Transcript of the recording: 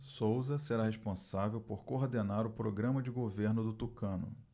souza será responsável por coordenar o programa de governo do tucano